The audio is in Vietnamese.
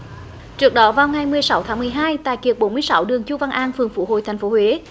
h trước đó vào ngày mười sáu tháng mười hai tại kiệt bốn mươi sáu đường chu văn an phường phú hội thành phố huế